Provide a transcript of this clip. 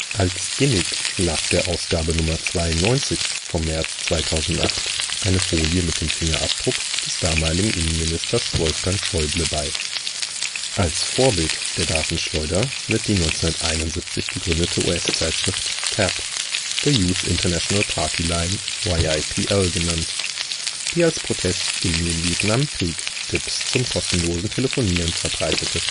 Als Gimmick lag der Ausgabe #92 vom März 2008 eine Folie mit dem Fingerabdruck des damaligen Innenministers Wolfgang Schäuble bei. Als Vorbild der Datenschleuder wird die 1971 gegründete US-Zeitschrift TAP – The Youth International Party Line (YIPL) genannt, die als Protest gegen den Vietnamkrieg Tipps zum kostenlosen Telefonieren verbreitete